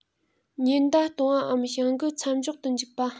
ཉེན བརྡ གཏོང བའམ བྱ འགུལ མཚམས འཇོག ཏུ འཇུག པ